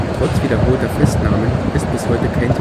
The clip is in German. Trotz wiederholter Festnahmen ist bis heute kein